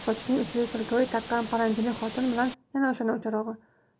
sochining uchiga so'lkavoy taqqan paranjili xotin bilan yana o'sha novcharog'i